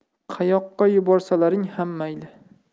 qayoqqa yuborsalaring ham mayli